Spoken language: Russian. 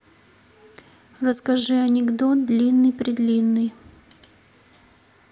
расскажи анекдот длинный предлинный